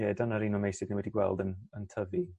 ie dyna'r un o meysydd ni wedi gweld yn yn tyfu